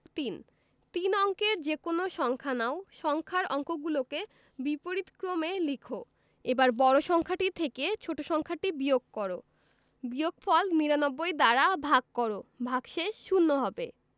৩ তিন অঙ্কের যেকোনো সংখ্যা নাও সংখ্যার অঙ্কগুলোকে বিপরীতক্রমে লিখ এবার বড় সংখ্যাটি থেকে ছোট সংখ্যাটি বিয়োগ কর বিয়োগফল ৯৯ দ্বারা ভাগ কর ভাগশেষ শূন্য হবে